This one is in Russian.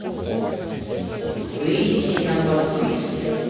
выйти на подписки